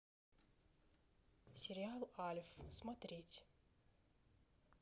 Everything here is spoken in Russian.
сериал альф смотреть